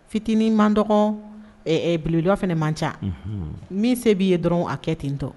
Fitinin man dɔgɔ bujɔ fana man ca min se b'i ye dɔrɔn a kɛ tentɔ